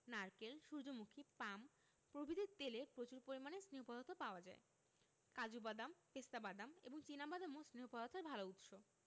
নারকেল সুর্যমুখী পাম প্রভৃতির তেলে প্রচুর পরিমাণে স্নেহ পদার্থ পাওয়া যায় কাজু বাদাম পেস্তা বাদাম এবং চিনা বাদামও স্নেহ পদার্থের ভালো উৎস